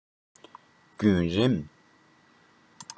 བརྒྱུད རིམ